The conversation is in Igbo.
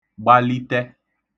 gbali(tẹ)